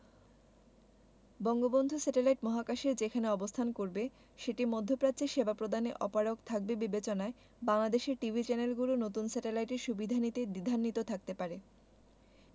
Bangabandhu satellite ১ মহাকাশের যেখানে অবস্থান করবে সেটি মধ্যপ্রাচ্যে সেবা প্রদানে অপারগ থাকবে বিবেচনায় বাংলাদেশের টিভি চ্যানেলগুলো নতুন স্যাটেলাইটের সুবিধা নিতে দ্বিধান্বিত থাকতে পারে